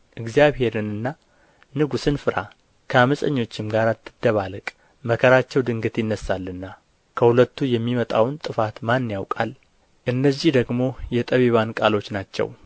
እግዚአብሔርንና ንጉሥን ፍራ ከዓመፀኞችም ጋር አትደባለቅ መከራቸው ድንገት ይነሣልና ከሁለቱ የሚመጣውን ጥፋት ማን ያውቃል እነዚህ ደግሞ የጠቢባን ቃሎች ናቸው